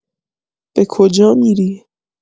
به کجا می‌ری؟